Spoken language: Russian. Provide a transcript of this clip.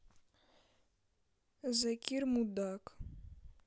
закир мудак